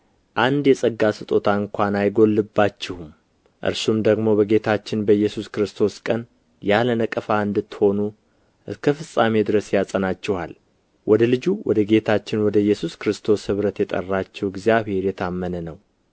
አንድ የጸጋ ስጦታ እንኳ አይጎድልባችሁም እርሱም ደግሞ በጌታችን በኢየሱስ ክርስቶስ ቀን ያለ ነቀፋ እንድትሆኑ እስከ ፍጻሜ ድረስ ያጸናችኋል ወደ ልጁ ወደ ጌታችን ወደ ኢየሱስ ክርስቶስ ኅብረት የጠራችሁ እግዚአብሔር የታመነ ነው